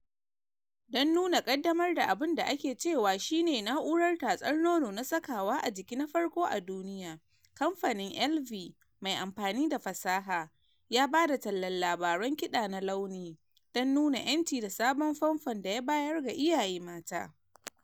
Don nuna kaddamar da abin da ake cewa shi ne "na’urar tatsar nono na sakawa a jiki na farko a duniya," kamfanin Elvie mai amfani da fasaha ya ba da tallan labaran kiɗa na launi don nuna 'yanci da sabon famfo ya bayar ga iyaye mata.